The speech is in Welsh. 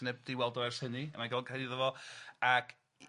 Sneb 'di weld o ers hynny a mae'n gorod ca'l hyd i fo ac